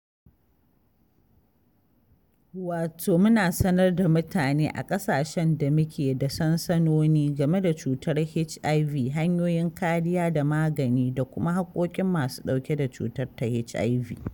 Wato, muna sanar da mutane a ƙasashen da muke da sansanoni game da cutar HIV hanyoyin kariya da magani da kuma haƙƙoƙin masu ɗauke da cutar ta HIV.